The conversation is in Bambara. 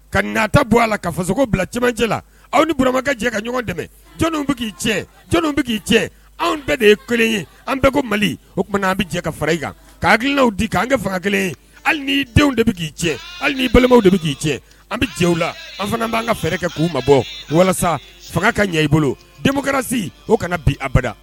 Ka n' ta bɔ a la ka fasoko bila cɛmanjɛ la aw niuramakɛ cɛ ka ɲɔgɔn dɛmɛw bɛ k'i cɛ bɛ k'i cɛ anw bɛɛ de ye kelen ye an bɛɛ ko mali o tumaumana an bɛ jɛ ka fara i kan k'a glinalaw di kan an kɛ fanga faga kelen ye hali nii denw de bɛ k'i cɛ hali ni balimaw de bɛ k'i cɛ an bɛ cɛww la an fana b'an ka fɛɛrɛ kɛ k'u ma bɔ walasa fanga ka ɲɛ i bolo den kɛra se o kana bi abada